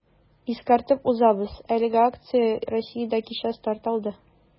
Искәртеп узабыз, әлеге акция Россиядә кичә старт алды.